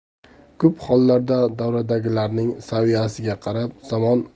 ko'p hollarda davradagilarning saviyasiga qarab